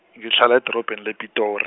ngihlala edorobheni lePitor- .